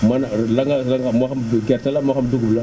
mën la nga la nga moo xam gerte la moo xam dugub la